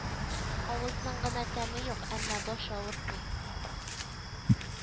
Авызның гына тәме юк, әмма баш авыртмый